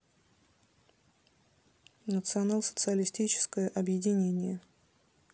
национал социалистическое объединение